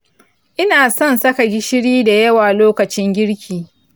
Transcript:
inasan saka gishiri da yawa lokacin girki.